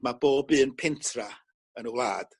ma' bob un pentra yn y wlad